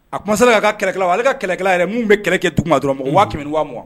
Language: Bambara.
A kuma serala ka kɛlɛ wa ale ka kɛlɛ yɛrɛ min bɛ kɛlɛkɛ tu dɔrɔn mɔgɔ waati waa ma wa